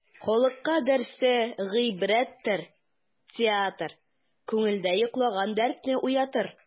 Халыкка дәрсе гыйбрәттер театр, күңелдә йоклаган дәртне уятыр.